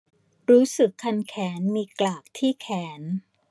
รู้สึกคันแขนมีกลากที่แขน